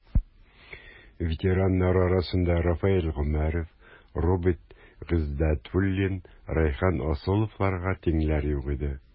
Ветераннар арасында Рафаэль Гомәров, Роберт Гыйздәтуллин, Рәйхан Асыловларга тиңнәр юк иде.